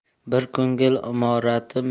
bir ko'ngil imorati